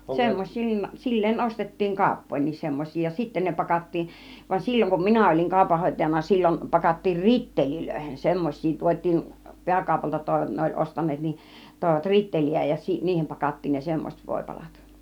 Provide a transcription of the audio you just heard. semmoisiin sillä lailla ostettiin kauppoihinkin semmoisia ja sitten ne pakattiin vaan silloin kun minä olin kaupanhoitajana silloin pakattiin ritteleihin semmoisiin tuotiin pääkaupalta - ne oli ostaneet niin toivat ritteleitä ja niihin pakattiin ne semmoiset voipalat